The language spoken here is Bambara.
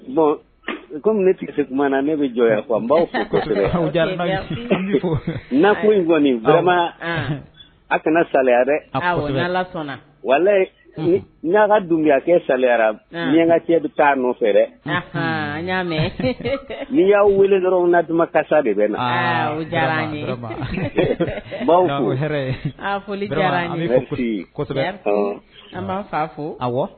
Bon komi ne tɛ se k tuma na ne bɛ jɔ n baw kosɛbɛ na ko in kɔni baba a kana sa wala' ka dunya kɛ sayara mi yanka cɛ bɛ taa fɛ dɛ n'i y'aw wele dɔrɔn na karisasa de bɛ na